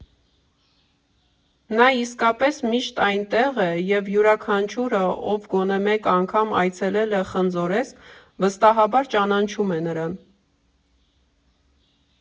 Նա իսկապես միշտ այնտեղ է և յուրաքանչյուրը, ով գոնե մեկ անգամ այցելել է Խնձորեսկ, վստահաբար ճանաչում է նրան։